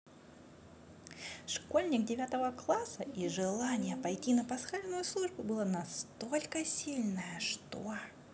школьник девятого класса и желание пойти на пасхальную службу была настолько сильная что